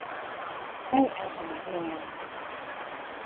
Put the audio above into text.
ให้อาหารแมว